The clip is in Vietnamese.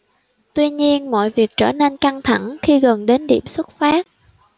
tuy nhiên mọi việc trở nên căng thẳng khi gần đến điểm xuất phát